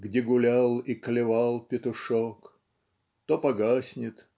Где гулял и клевал петушок То погаснет